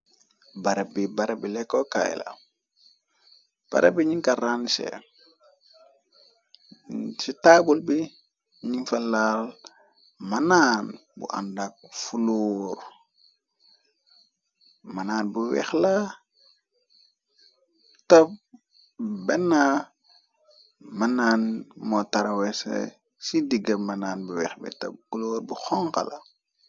Barab bi barabi lekokaayla barab bi ñikaranse ci taabul bi ñifa laal manaan bu àndak fulor manaan bu weex la ta benna mënaan moo tarawese ci digga manaan bu weex teh kuloor bu xonga la.